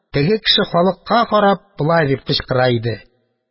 Теге кеше, халыкка карап, болай дип кычкыра иде: